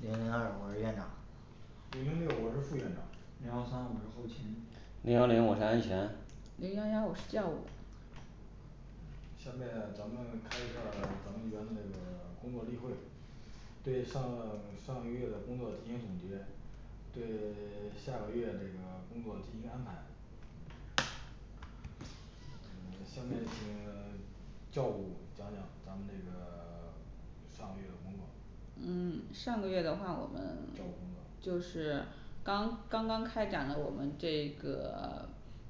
零零二我是院长零零六我是副院长零幺三我是后勤零幺零我是安全零幺幺我是教务下面咱们开一下儿咱们园的那个工作例会，对上个 上个月的工作进行总结对 下个月这个工作进行安排呃 下面请 教务讲讲咱们这个 上个月的工作。嗯上个月的话，我们教务工作就是刚刚刚开展了我们这个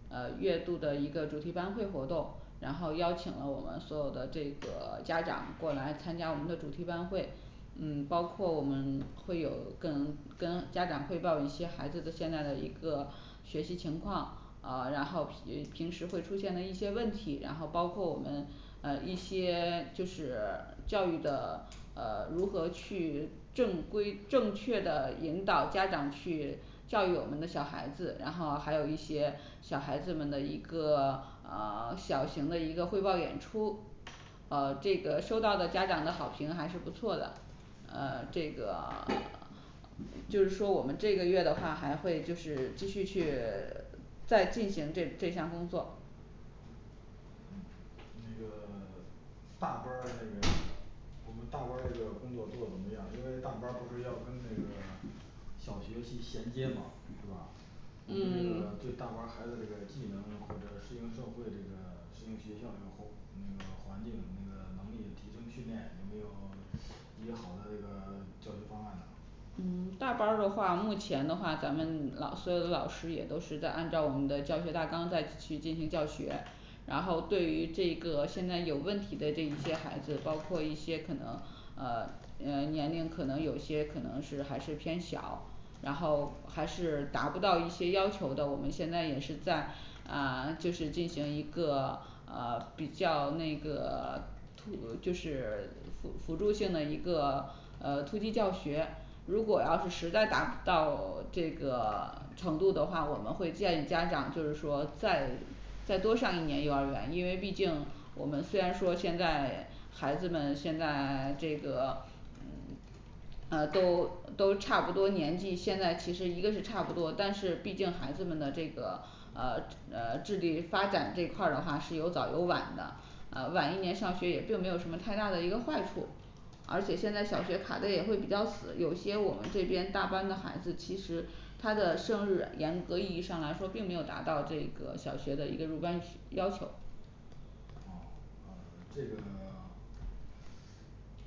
呃月度的一个主题班会活动然后邀请了我们所有的这个 家长过来参加我们的主题班会嗯包括我们会有更跟家长汇报一些孩子的现在的一个学习情况呃然后平平时会出现的一些问题，然后包括我们呃一些 就是 教育的 呃如何去正规正确的引导家长去教育我们的小孩子，然后还有一些小孩子们的一个呃 小型的一个汇报演出呃这个受到的家长的好评还是不错的，呃这个 就是说我们这个月的话还会就是继续去 在进行这这项工作那个 大班儿那个我们大班儿这个工作做得怎么样，因为大班儿不是要跟那个小学去衔接吗是吧我们这嗯个 对大班儿孩子这个技能或者适应社会这个适应学校这个后那个环境那个能力提升训练，有没有一些好的这个教学方案呢嗯大班儿的话目前的话，咱们老所有的老师也都是在按照我们的教学大纲在去进行教学然后对于这个现在有问题的这一些孩子，包括一些可能呃嗯年龄可能有些可能是还是偏小然后还是达不到一些要求的，我们现在也是在嗯就是进行一个呃比较那个 突就是辅辅助性的一个呃突击教学如果要是实在达不到 这个 程度的话，我们会建议家长就是说再再多上一年幼儿园，因为毕竟我们虽然说现在孩子们现在 这个嗯 嗯都都差不多年纪，现在其实一个是差不多，但是毕竟孩子们的这个呃呃智力发展这块儿的话是有早有晚的呃晚一年上学也并没有什么太大的一个坏处，而且现在小学卡的也会比较死，有些我们这边大班的孩子，其实他的生日严格意义上来说，并没有达到这个小学的一个入班要求哦呃这个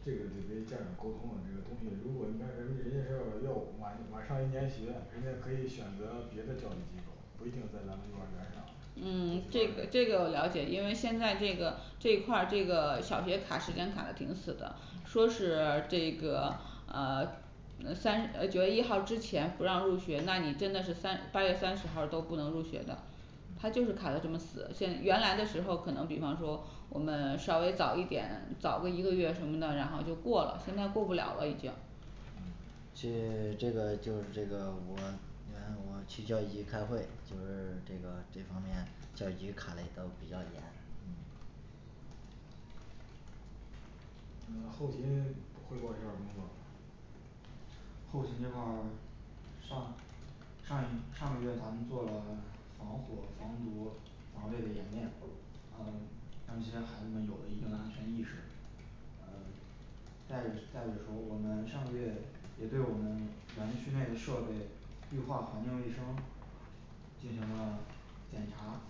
这个就给家长沟通了，这个东西，如果你看人们人家是要要晚晚上一年学，人家可以选择别的教育机构，不一定在咱们幼儿园上呃我觉得这吧这这个个我了解，因为现在这个这一块儿这个小学卡时间卡的挺死的，嗯说是这个呃 呃三呃九月一号之前不让入学那你真的是三八月三十号儿都不能入学的他嗯就是卡的这么死，现原来的时候可能比方说我们稍微早一点，早个一个月什么的然后就过了现在过不了了已经嗯嗯后勤汇报一下儿工作。后勤这块儿上上一上个月咱们做了防火、防毒、防卫的演练，呃让这些孩子们有了一定的安全意识嗯再就是再就是说我们上个月也对我们园区内的设备绿化环境卫生进行了检查，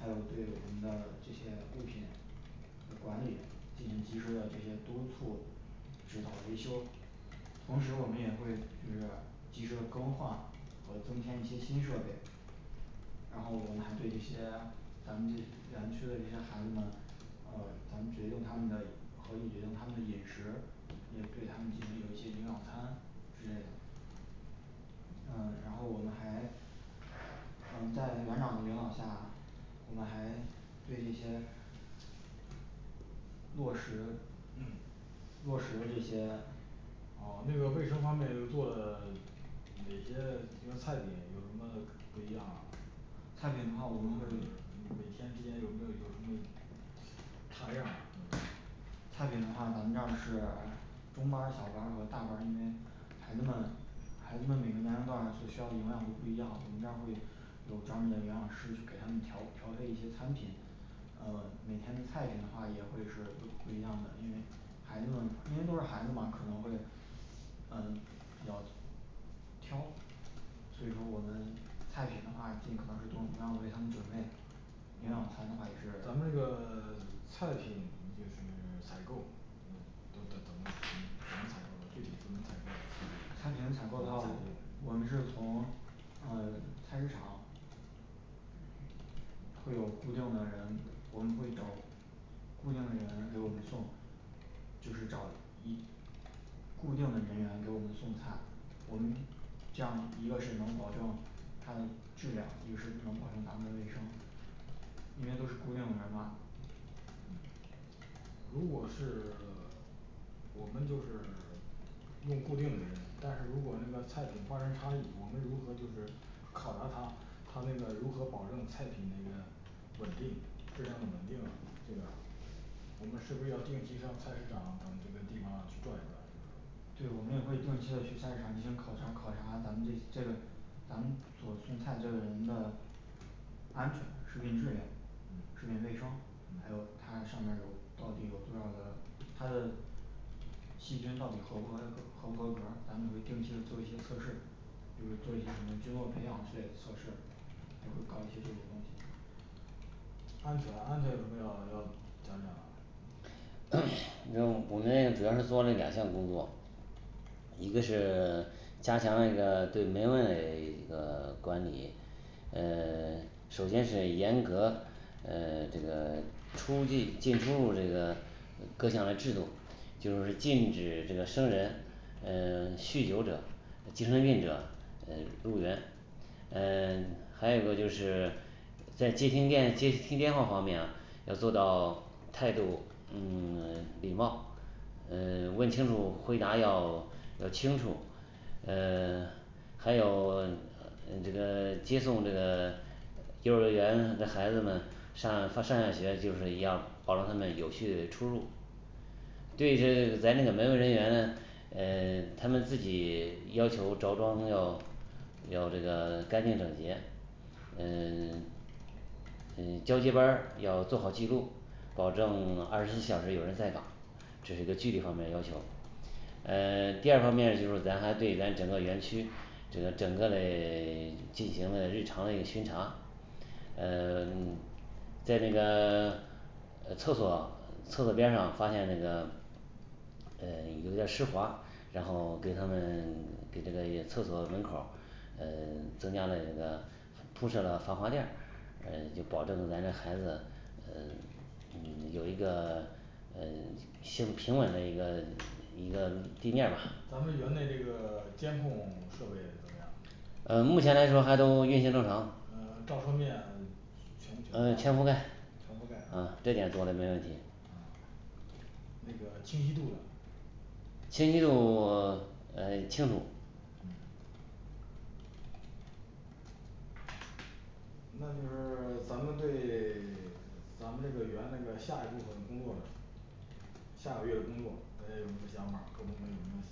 还有对我们的这些物品呃管理人进行及时的这些督促指导维修，同时我们也会就是及时的更换和增添一些新设备然后我们还对这些咱们这园区的这些孩子们，呃咱们决定他们的以 可以决定他们的饮食，也对他们进行有一些营养餐之类的呃然后我们还嗯在园长的领导下，我们还对这些落实嗯落实的这些哦那个卫生方面又做了 哪些就菜品有什么不一样啊菜就品的话我们就是会每天之间有没有有什么差样都是菜品的话，咱们这儿是 中班儿、小班儿和大班儿，因为孩子们孩子们每个年龄段儿所需要营养都不一样我们这儿会有专门的营养师去给他们调调配一些餐品呃每天的菜品的话也会是不不一样的，因为孩子们因为都是孩子嘛可能会嗯比较挑 所以说我们菜品的话，尽可能是都都要为他们准备营养餐的话也是咱们这个 菜品就是采购嗯都怎怎么怎么怎么采购的具体怎么采购的？菜具体品采怎购么的话采定的，我们是从呃菜市场会有固定的人，我们会找固定的人给我们送，就是找一固定的人员给我们送菜，我们这样一个是能保证它的质量，一个是能保证咱们的卫生因为都是固定的人嘛嗯呃如果是 我们就是 用固定的人，但是如果那个菜品发生差异，我们如何就是考察他，他那个如何保证菜品那个稳定质量的稳定啊这个我们是不是要定期上菜市场等这个地方去转一转就是说对我们也会定期的去菜市场进行考察，考察咱们这这个咱们所送菜这个人的安全、食品质量嗯食品卫生，还嗯有它上面有到底有多少个，它的细菌到底合不合个， 合不合格儿，咱们会定期的做一些测试，就是做一些什么菌落培养之类的测试，也会搞一些这类东西安全安全有什么要要讲讲？因为我们这个主要是做了两项工作，一个是 加强那个对门外嘞一个管理，呃 首先是严格呃这个出进进出入这个呃各项嘞制度就是禁止这个生人嗯 酗酒者精神病者呃入园。呃 还有一个就是在接听电接听电话方面啊要做到态度嗯 礼貌嗯 问清楚，回答要要清楚。嗯 还有嗯这个接送这个幼儿园的孩子们上他上下学就是要保证他们的有序的出入对这咱这个门卫人员嘞嗯 他们自己要求着装要要这个干净整洁呃 嗯交接班儿要做好记录，保证二十四小时有人在岗，这是一个纪律方面的要求。呃 第二方面就是咱还可以咱整个园区这个整个嘞 进行了日常的一个巡查，嗯 在那个 呃厕所厕所边儿上发现那个呃有点儿湿滑然后给他们给这个厕所门口儿嗯 增加了那个铺设了防滑垫儿，嗯就保证咱这孩子的嗯 嗯有一个 嗯行平稳的一个一个地面儿吧咱们园内这个 监控 设备怎么样？呃目前来说还都运行正常嗯照射面嗯全不全全覆盖全覆盖嗯这点做的没问题嗯那个清晰度呢清晰度 嗯清楚嗯那就是咱们对 咱们那个园那个下一部分工作，下个月的工作大家有什么想法儿，各部门有什么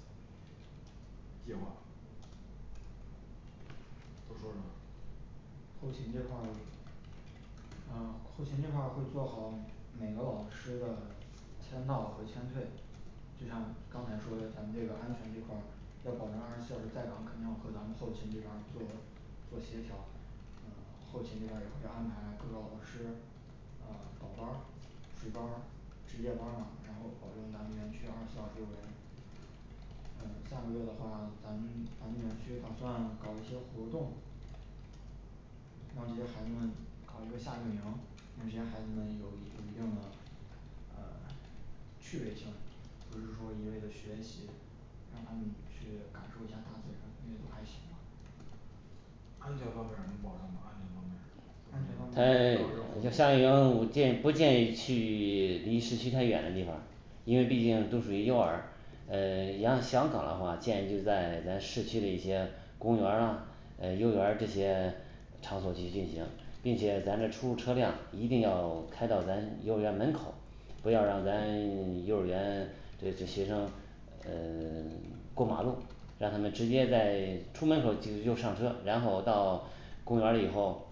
计划？都说说后勤这块儿嗯后勤这块儿会做好每个老师的签到和签退。就像刚才说的咱们安全这块儿要保证二十四小时在岗，肯定要和咱们后勤这边儿做做协调呃 后勤这边儿也会安排各个老师呃倒班儿值班儿值夜班儿嘛，然后保证咱们园区二十四小时有人。嗯下个月的话，咱咱们园区打算搞一些活动，让这些孩子们搞一个夏令营，让这些孩子们有有一定的呃趣味性，不是说一味的学习让他们去感受一下大自然，因为都还小嘛安全方面儿能保证吗？安全方面儿？安全方面我们搞这他 夏个活动令营我建不建议去离市区太远的地方儿因为毕竟都属于幼儿，嗯然后想搞的话建议就是在咱市区的一些公园啊呃幼儿园儿这些场所去进行，并且咱这出入车辆一定要开到咱幼儿园门口不要让咱 幼儿园这这学生嗯 过马路，让他们直接在出门口就就上车，然后到公园儿以后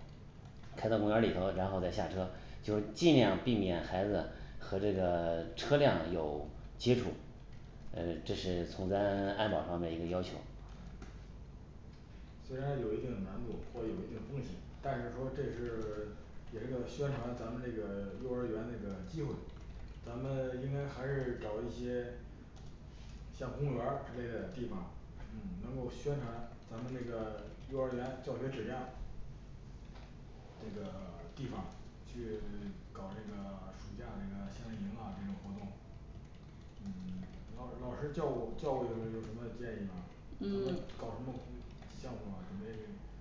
开到公园儿里头，然后再下车就尽量避免孩子和这个 车辆有接触，呃这是从咱 安保上的一个要求虽然有一定难度或有一定风险，但是说这是 也是个宣传咱们这个幼儿园这个机会咱们应该还是找一些像公园儿之类的地方儿，嗯能够宣传咱们这个幼儿园教学质量，这个地方去 搞这个 暑假这个夏令营啊这种活动嗯 老老师教务教务有什么建议吗？咱们嗯搞什么项目儿啊准备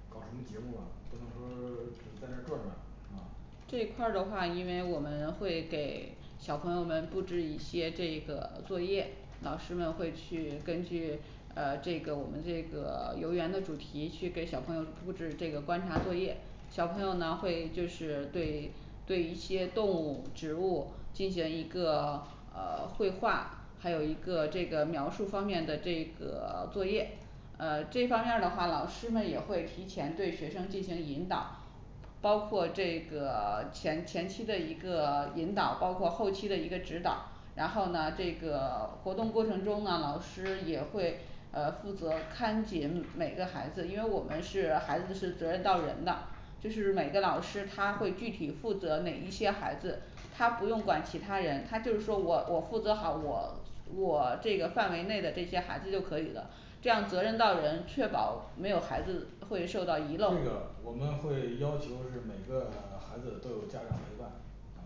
搞什么节目儿啊，不能说只在那儿转转啊这一块儿的话，因为我们会给小朋友们布置一些这个作业，老师们会去根据呃这个我们这个游园的主题去给小朋友布置这个观察作业小朋友呢会就是对对一些动物植物进行一个呃绘画，还有一个这个描述方面的这个 作业呃这方面儿的话老师们也会提前对学生进行引导，包括这个 前前期的一个引导，包括后期的一个指导然后呢这个 活动过程中呢老师也会呃负责看紧每个孩子，因为我们是孩子是责任到人的就是每个老师他会具体负责哪一些孩子，他不用管其他人，他就是说我我负责好我我这个范围内的这些孩子就可以了。这样责任到人，确保没有孩子会受到遗这漏个我们会要求是每个孩子都有家长陪伴嗯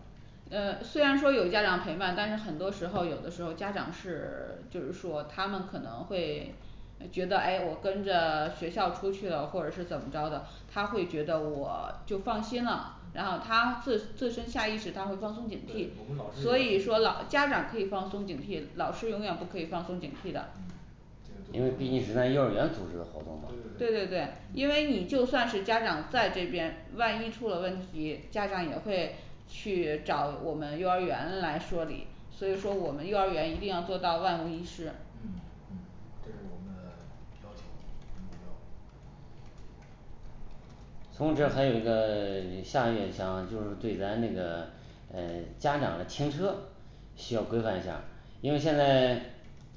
呃虽然说有家长陪伴，但是很多时候儿有的时候儿家长是 就是说他们可能会嗯觉得哎我跟着学校出去了或者是怎么着的他会觉得我就放心了，然嗯后他自自身下意识他会放松警惕对我们老，所师以也说要老家长可以放松警惕，老师永远不可以放松警惕的嗯这因为个做毕得竟是咱幼儿园组织的活动嘛对对对对对对因嗯为你就算是家长在这边万一出了问题，家长也会去找我们幼儿园来说理所以说我们幼儿园一定要做到万无一失嗯嗯这是我们的要求跟目标儿。同时还有一个 下月想就是对咱那个呃家长的停车需要规范一下儿因为现在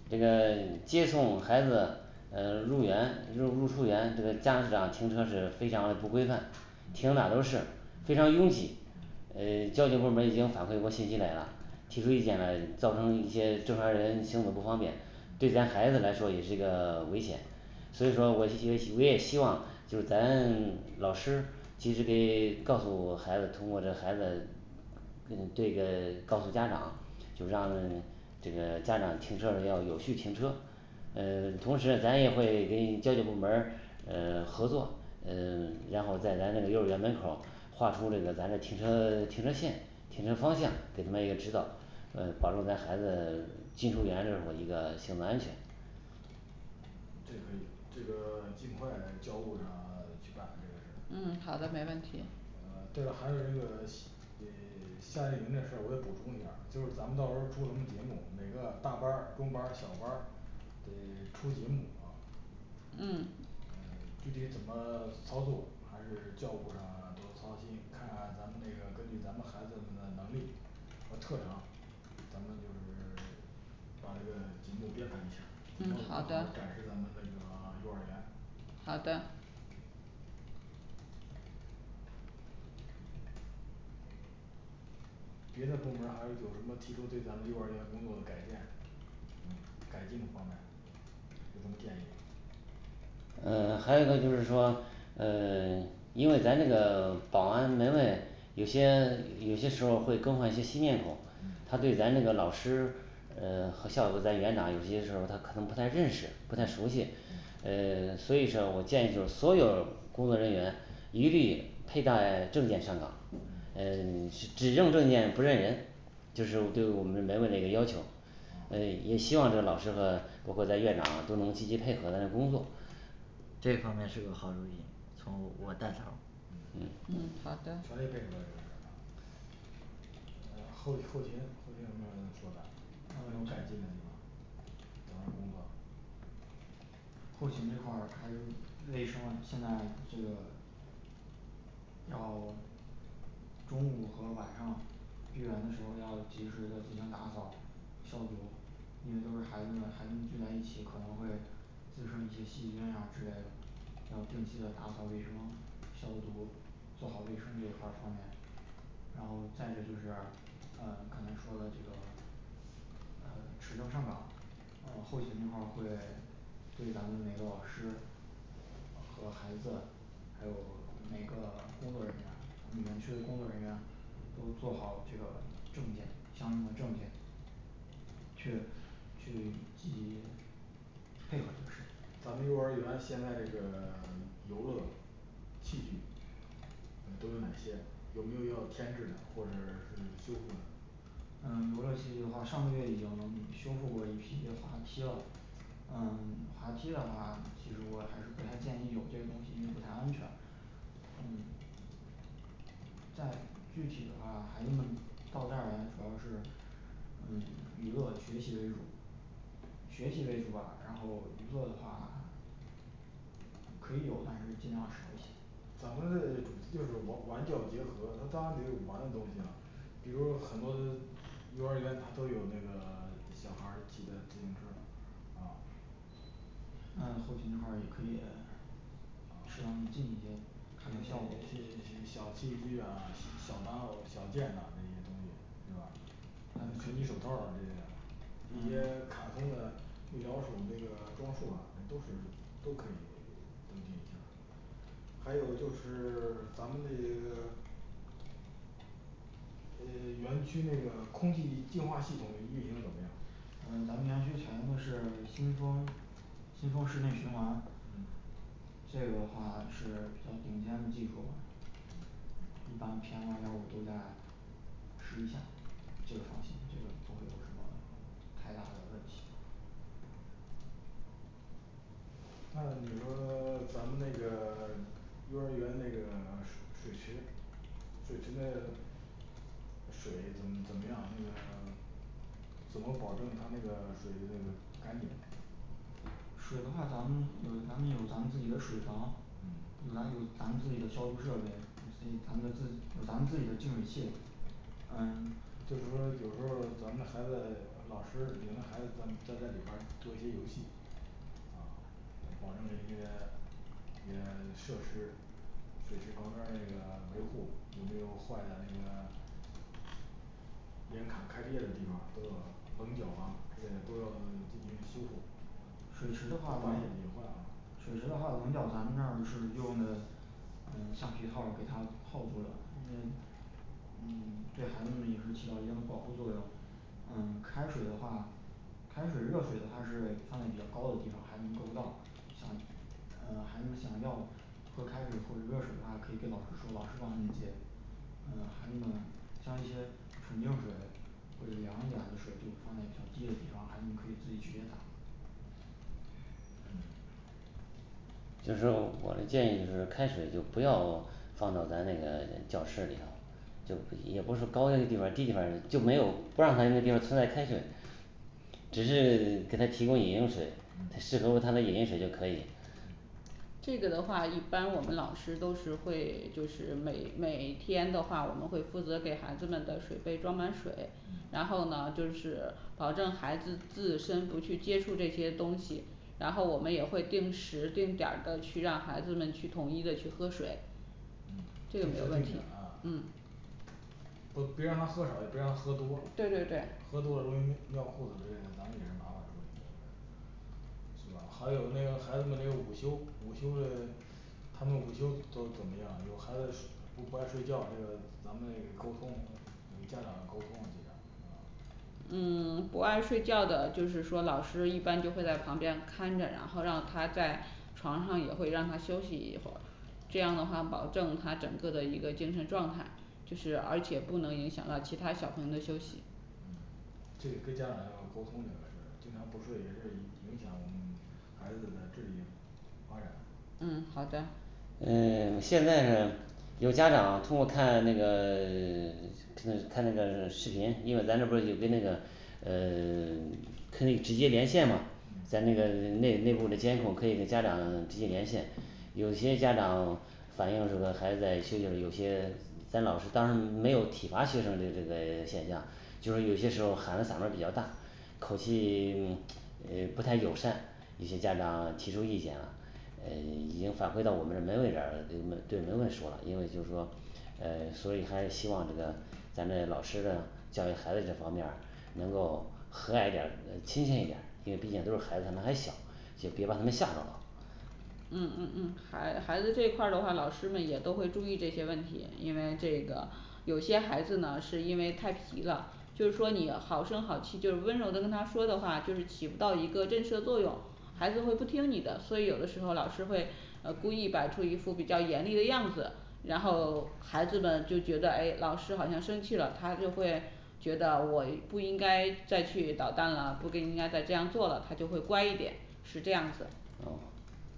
这个接送孩子嗯入园就是入出园这个家长停车是非常不规范停嗯那儿都是非嗯常拥挤呃交警部门已经反馈过信息来了，提出意见了造成一些正常人行走不方便，对咱孩子来说也是一个 危险。所以说我一些我也希望就是咱老师及时给 告诉孩子，通过这孩子跟这个告诉家长，就让这个家长停车时候要有序停车嗯同时咱也会跟交警部门儿嗯合作，嗯 然后再咱那个幼儿园门口儿画出这个咱的停车停车线，停车方向给他们也知道嗯保证咱孩子 进出园那会儿一个行走安全这可以这个尽快教务上 去办了这个事儿嗯好的，没问题嗯嗯 具体怎么操作，还是教务上 多操心，看看咱们那个根据咱们孩子们的能力和特长，咱们就是 把这个节目编排一下儿然嗯后更好好的的展示咱们那个幼儿园好的别的部门儿还有有什么提出对咱们幼儿园工作的改建，嗯改进的方面有什么建议？嗯还有一个就是说嗯 因为咱这个保安门卫有些有些时候儿会更换一些新面孔，嗯他对咱这个老师嗯和校友咱园长有些时候儿他可能不太认识不太熟嗯悉嗯呃 所以说我建议就是所有工作人员一律佩戴证件上岗嗯呃 只只认证件不认人，就是我对我们门卫的一个要求哦呃也希望这老师和包括咱院长都能积极配合的工作这方面是个好主意，从我带头儿嗯嗯好全力配合这的个事儿啊嗯后后勤后勤有什么说的有嗯改进的地方儿咱们的工作后勤这块儿还有卫生了现在这个要中午和晚上闭园的时候儿要及时的进行打扫消毒因为都是孩子们孩子们聚在一起，可能会滋生一些细菌啊之类的，要定期的打扫卫生消毒，做好卫生这一块儿方面然后再者就是呃刚才说的这个呃持证上岗，呃后勤这块儿会 对咱们每个老师和孩子还有每个工作人员，咱们园区的工作人员都做好这个证件相应的证件去 去集结配合这个事情咱们幼儿园现在这个游乐器具呃都有哪些，有没有要添置的或者是是修复的？嗯游乐器具的话，上个月已经修复过一批滑梯了。嗯滑梯的话，其实我还是不太建议有这个东西，因为不太安全。嗯 在具体的话孩子们到这儿来主要是嗯娱乐学习为主，学习为主吧，然后娱乐的话可以有，但是尽量少一些咱们的那个主题就是我 玩教结合，他当然得有玩的东西了比如说很多幼儿园他都有那个小孩儿骑的自行车啊那后勤这块儿也可以啊适当的进一些看下效果器器器小器具呀小单哦小件那这些东西是吧像拳击手套儿这类的，一嗯些卡通的米老鼠这个装束啊那都是都可以，都定一下儿还有就是 咱们这个 嗯园区那个空气净化系统运行怎么样呃咱们园区采用的是新风，新风室内循环，嗯这个话是比较顶尖的技术了嗯嗯一般P M二点儿五都在十一项这个放心这个不会有什么太大的问题还有你说 咱们那个 幼儿园那个 水水池、水池那个水怎怎么样那个怎么保证他那个水的那个干净？水的话咱们有咱们有咱们自己的水房，嗯有咱咱们自己的消毒设备，嗯所以咱们自己有咱们自己的净水器嗯就是说有时候儿咱们孩子老师领着孩子，咱们在这里边儿做一些游戏嗯要保证这些也 设施水池旁边儿那个维护有没有坏的那个严卡开裂的地方都有棱角儿啊，也都要 进行修复水池的发话我现们隐患啊水池的话棱角儿咱们这儿是用的嗯像皮套儿给它泡住了，因为嗯对孩子们也是起到一定的保护作用。嗯开水的话，开水热水的它是放在比较高的地方，孩子们够不到想嗯孩子们想要喝开水或者是热水的话，可以给老师说老师帮他们接嗯孩子们像一些纯净水或者凉一点儿的水就放在比较低的地方，孩子们可以自己直接打嗯嗯适合用他的饮用水就可以嗯这个的话一般我们老师都是会就是每每天的话，我们会负责给孩子们的水杯装满水，嗯然后呢就是保证孩子自身不去接触这些东西然后我们也会定时定点儿的去让孩子们去统一的去喝水嗯定时这个定时候点儿定啊嗯不别让他喝少也别让他喝多对对对喝多了容易易尿裤子这个咱们也是麻烦处理就是是吧？还有那个孩子们那个午休午休的，他们这个午休都怎么样，有孩子不不爱睡觉这个，咱们也给沟通，家长沟通这样嗯嗯嗯这个给家长要沟通这个事儿经常不睡，也是影 影响嗯孩子的智力发展嗯好的嗯现在的有家长通过看那个 那个看看那个视频，因为咱这不是就跟那个嗯 可以直接连线吗，嗯在那个内内部的监控可以给家长直接联线嗯嗯 已经反馈到我们这儿门卫这儿嗯对门卫说了，因为就是说嗯所以还是希望这个咱们老师的教育孩子这方面儿能够和蔼一点儿，呃亲切一点儿，因为毕竟都是孩子还小，就别把他们吓到了。嗯嗯嗯孩孩子这一块儿的话，老师们也都会注意这些问题，因为这个有些孩子呢是因为太皮了，就是说你好声好气就是温柔的跟他说的话，就是起不到一个震慑作用孩子就会不听你的，所以有的时候老师会呃故意摆出一副比较严厉的样子，然后孩子们就觉得诶老师好像生气了他就会觉得我不应该再去捣蛋了，不应该再这样做了，他就会乖一点，是这样子嗯